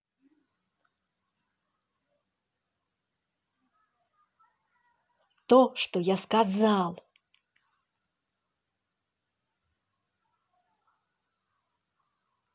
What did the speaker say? то что я сказал